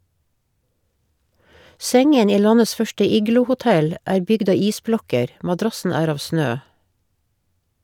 Sengen i landets første igloo-hotell er bygd av isblokker , madrassen er av snø.